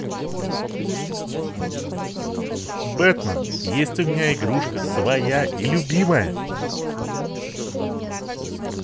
batman есть у меня игрушка своя и любимая